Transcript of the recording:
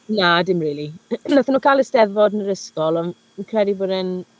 Na, dim rili. Wnaethon nhw cael Eisteddfod yn yr ysgol, ond fi'n credu bod e'n...